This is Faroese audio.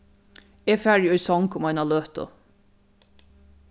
eg fari í song um eina løtu